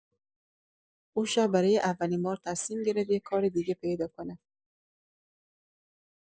اون شب، برای اولین بار تصمیم گرفت یه کار دیگه پیدا کنه.